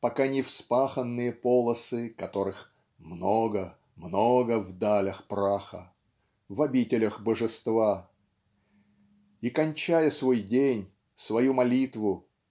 пока не вспаханные полосы которых "много много в далях праха". в обителях Божества. И кончая свой день свою молитву